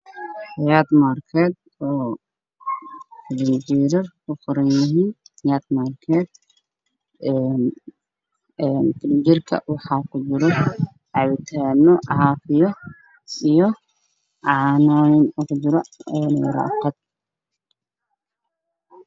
Meeshan waa subar ma arkeed waxaa ii muuqday villa jeer waxaa ku jira abitaalo iyo isku fara badan